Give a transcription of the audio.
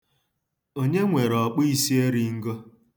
Onye nwere ọkpụisieringo?